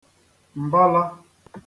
m̀bala